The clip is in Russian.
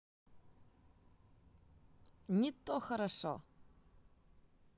не то хорошо